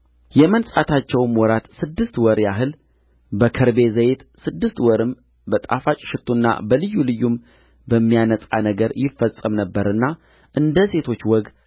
የመንጻታቸውም ወራት ስድስት ወር ያህል በከርቤ ዘይት ስድስት ወርም በጣፋጭ ሽቱና በልዩ ልዩም በሚያነጻ ነገር ይፈጸም ነበርና እንደ ሴቶች ወግ